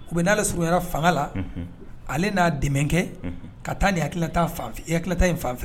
U bien n'ale surunyana fanga la ale n'a dɛmɛ kɛ ka taa ni hakilinata fanfɛ